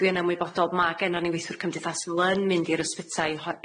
Dwi yn ymwybodol, ma' gennon ni weithwyr cymdeithasol yn mynd i'r ysbytai ho- e-